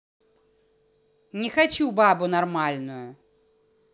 не хочу бабу нормальную